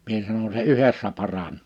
minä sanon se yhdessä paranee